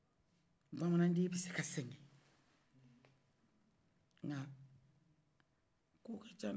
bamanaden b'i se ka sɛgɛ n g'a kow ka ca dɛ